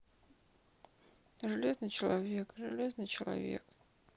железный человек железный человек